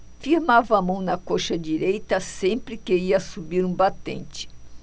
firmava a mão na coxa direita sempre que ia subir um batente